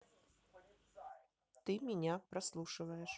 ты меня прослушиваешь